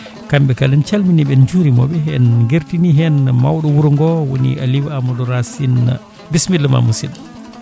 kamɓe kala en calminiɓe en juurimaɓe en gardini hen mawɗo wuuro ngo woni Aliou Amadou Racine bisimillama musidɗo